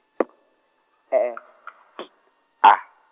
P E E T A.